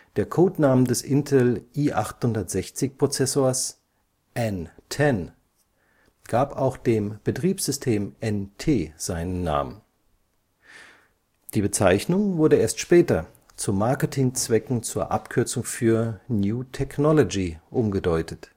Der Codename des Intel i860-Prozessors, N-Ten, gab auch dem Betriebssystem NT seinen Namen, die Bezeichnung wurde erst später zu Marketingzwecken zur Abkürzung für New Technology umgedeutet